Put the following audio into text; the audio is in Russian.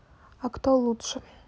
а кто лучше